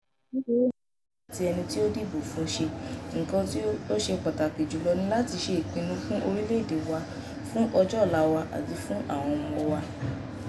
Torí náà láì fi ti ẹni tí a dìbò fún ṣe, nǹkan tí ó ṣe pàtàkì jùlọ ni láti ṣe ìpinnu fún orílẹ̀-èdè wa, fún ọjọ́-ọ̀la wa àti fún àwọn ọmọ wa.